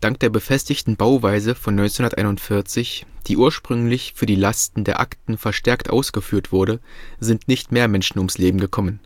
Dank der befestigten Bauweise von 1941, die ursprünglich für die Lasten der Akten verstärkt ausgeführt wurde, sind nicht mehr Menschen ums Leben gekommen